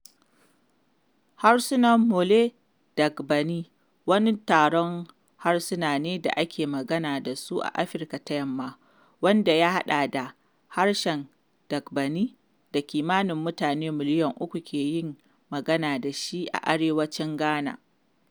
Harsunan Mole-Dagbani wani taron harsuna ne da ake magana da su a Afirka ta Yamma, wanda ya haɗa da harshen Dagbani da kimanin mutum miliyan uku ke yin magana da shi a arewacin Ghana.